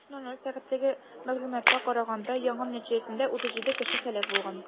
23:00 сәгатьтәге мәгълүматка караганда, янгын нәтиҗәсендә 37 кеше һәлак булган.